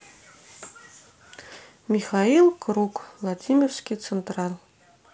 михаил круг владимирский централ